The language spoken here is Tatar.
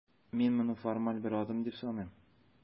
Мин моны формаль бер адым дип саныйм.